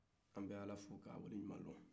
an bɛ ala fo k'a waleɲumandɔn